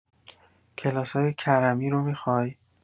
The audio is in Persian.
کلاسای کرمی رو میخوای؟